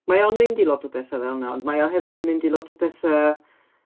Mae o'n mynd i lot o betha fel 'na, ond mae o hefyd yn mynd i lot o betha.